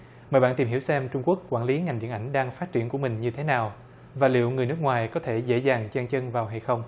mời bạn tìm hiểu xem trung quốc quản lý ngành điện ảnh đang phát triển của mình như thế nào và liệu người nước ngoài có thể dễ dàng chen chân vào hay không